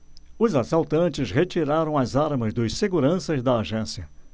os assaltantes retiraram as armas dos seguranças da agência